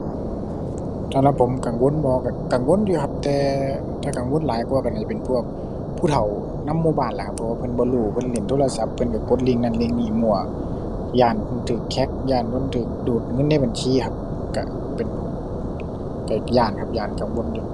สำหรับผมกังวลบ่ก็กังวลอยู่ครับ แต่ถ้ากังวลหลายกว่าก็น่าจะเป็นพวกผู้เฒ่านำหมู่บ้านล่ะครับ เพราะว่าเพิ่นบ่รู้ เพิ่นเล่นโทรศัพท์ เพิ่นก็กดลิงก์นั้นลิงก์นี้มั่ว ย้านเพิ่นก็แฮ็ก ย้านเพิ่นก็ดูดเงินในบัญชีครับ ก็เป็น ก็ย้านครับย้าน กังวลอยู่